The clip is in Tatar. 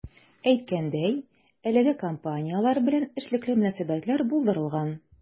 Әйткәндәй, әлеге компанияләр белән эшлекле мөнәсәбәтләр булдырылган.